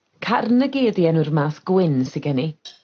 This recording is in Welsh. Carnegie ydi enw'r math gwyn sy gen i